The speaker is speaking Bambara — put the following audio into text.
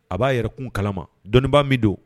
A b'a yɛrɛkun kalama dɔnniibaa min don